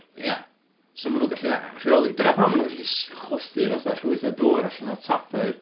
Ie so maen nhw'n gallu rheoli. Dyna pam mae nhw'n gallu s- chwythu fatha llwyth o dŵr allan o'r top yr...